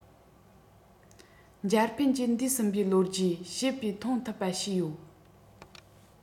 འཇར མན གྱིས འདས ཟིན པའི ལོ རྒྱུས བྱེད པའི མཐོང ཐུབ པ བྱས ཡོད